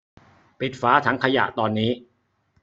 ปิดฝาถังขยะตอนนี้